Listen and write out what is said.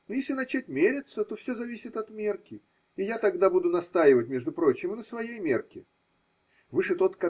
Но если начать меряться, то все зависит от мерки, и я тогда буду настаивать между прочим, и на своей мерке: выше тот.